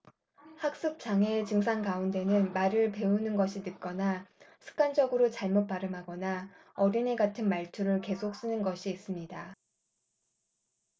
학습 장애의 증상 가운데는 말을 배우는 것이 늦거나 습관적으로 잘못 발음하거나 어린애 같은 말투를 계속 쓰는 것이 있습니다